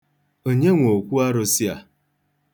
Onye nwe okwuarụsị a?